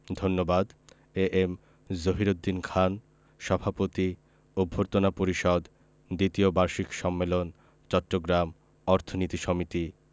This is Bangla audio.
ধন্যবাদ এ এম জহিরুদ্দিন খান সভাপতি অভ্যর্থনা পরিষদ দ্বিতীয় বার্ষিক সম্মেলন চট্টগ্রাম অর্থনীতি সমিতি